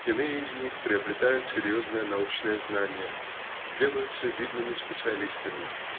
иные из них приобретают серьезные научные знания делаются видными специалистами